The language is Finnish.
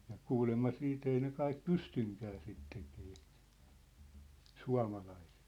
ja kuulemma sitten ei ne kaikki pystykään sitä tekemään suomalaiset